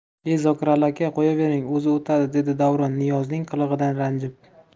e zokirali aka qo'yavering o'zi o'tadi dedi davron niyozning qilig'idan ranjib